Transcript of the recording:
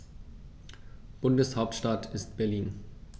Bundeshauptstadt ist Berlin.